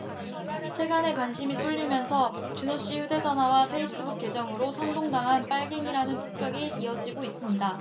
세간의 관심이 쏠리면서 준호씨 휴대전화와 페이스북 계정으로 선동 당한 빨갱이라는 폭격이 이어지고 있습니다